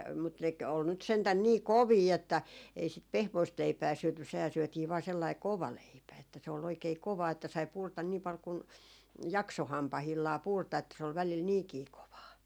mutta ne oli nyt sentään niin kovia että ei sitä pehmoista leipää syöty sehän syötiin vain sellainen kova leipä että se oli oikein kovaa että sai purra niin paljon kuin jaksoi hampaillaan purra että se oli välillä niinkin kovaa